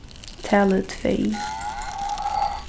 talið tvey